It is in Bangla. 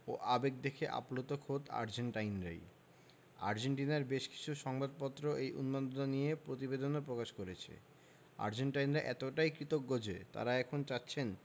ও আবেগ দেখে আপ্লুত খোদ আর্জেন্টাইনরাই আর্জেন্টিনার বেশ কিছু সংবাদপত্র এই উন্মাদনা নিয়ে প্রতিবেদনও প্রকাশ করেছে আর্জেন্টাইনরা এতটাই কৃতজ্ঞ যে তাঁরা এখন চাচ্ছেন